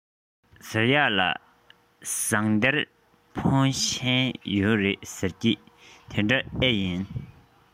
ཟེར ཡས ལ ཟངས གཏེར འཕོན ཆེན ཡོད རེད ཟེར གྱིས དེ འདྲ ཨེ ཡིན